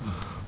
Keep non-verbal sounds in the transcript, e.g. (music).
(hesitation) (hesitation)